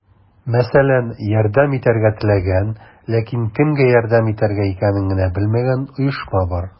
Мәсәлән, ярдәм итәргә теләгән, ләкин кемгә ярдәм итергә икәнен генә белмәгән оешма бар.